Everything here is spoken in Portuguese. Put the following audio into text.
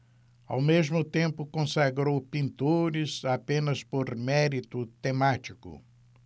ao mesmo tempo consagrou pintores apenas por mérito temático